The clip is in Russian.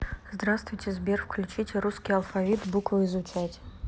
здравствуйте сбер включите русский алфавит буквы изучать